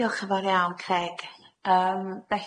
Diolch yn fawr iawn Creg.